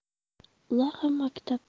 ular ham maktabda